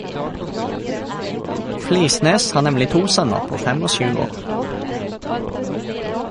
Flisnes har nemlig to sønner på fem og sju år.